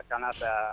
A kana taa